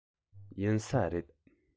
ཡིན ས རེད